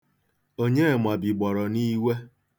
Onyema bigbọrọ n'iwe.